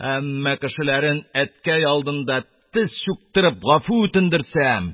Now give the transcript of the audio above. Һәммә кешеләрен әткәй алдында тез чүктереп гафу үтендерсәм...